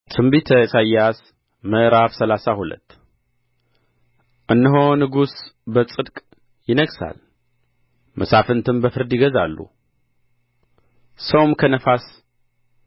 ትንቢተ ኢሳይያስ ምዕራፍ ሰላሳ ሁለት እነሆ ንጉሥ በጽድቅ ይነግሣል መሳፍንትም በፍርድ ይገዛሉ ሰውም ከነፋስ